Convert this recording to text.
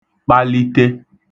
kpali(te)